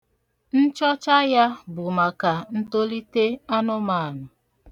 Nchọcha ya bụ maka ntolite anụmanụ.